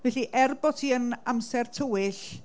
Felly, er bod hi yn amser tywyll,